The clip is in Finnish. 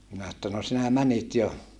minä että no sinä menit jo